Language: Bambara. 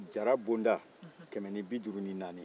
jara bonda kɛmɛ ni bi duuru ni naani